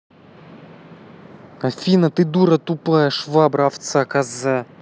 афина ты дура тупая швабра овца коза